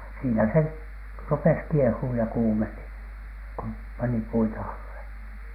siinä se rupesi kiehumaan ja kuumeni kun pani puita alle